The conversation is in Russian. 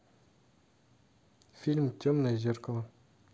фильм темное зеркало